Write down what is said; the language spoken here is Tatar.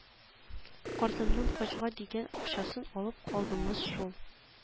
Картымның хаҗга дигән акчасын алып калдыңыз шул